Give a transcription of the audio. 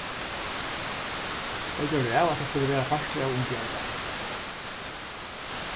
tey gjørdu av at tað skuldi vera partur av ung í arbeiði